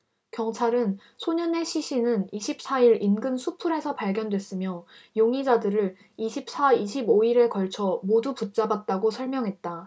경찰은 소년의 시신은 이십 사 일 인근 수풀에서 발견됐으며 용의자들을 이십 사 이십 오 일에 걸쳐 모두 붙잡았다고 설명했다